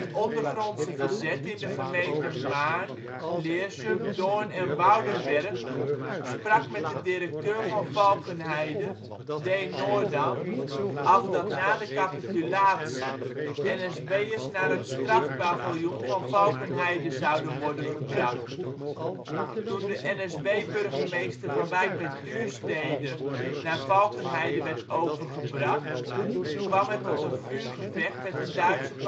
ondergrondse verzet in de gemeenten Maarn, Leersum, Doorn en Woudenberg sprak met de directeur van Valkenheide, D. Noordam, af dat na de capitulatie NSB'ers naar het strafpaviljoen van Valkenheide zouden worden gebracht. Toen de NSB-burgemeester van Wijk bij Duurstede naar Valkenheide werd overgebracht kwam het tot een vuurgevecht met een Duitse